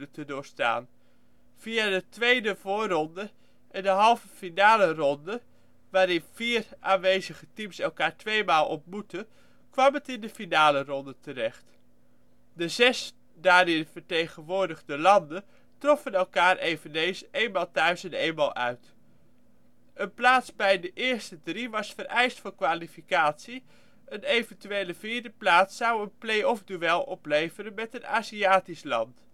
te doorstaan. Via de tweede voorronde en de halve finaleronde waarin de vier aanwezige teams elkaar twee maal ontmoetten kwam het in de finaleronde terecht. De zes daarin vertegenwoordigde landen troffen elkaar eveneens eenmaal thuis en eenmaal uit. Een plaats bij de eerste drie was vereist voor kwalificatie, een eventuele vierde plaats zou een play-offduel opleveren met een Aziatisch land